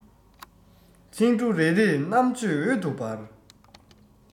ཚིག འབྲུ རེ རེར རྣམ དཔྱོད འོད དུ འབར